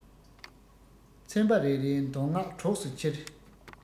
ཚན པ རེ རེས མདོ སྔགས གྲོགས སུ འཁྱེར